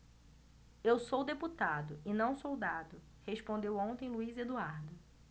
eu sou deputado e não soldado respondeu ontem luís eduardo